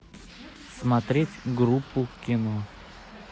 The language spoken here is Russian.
смотреть группу кино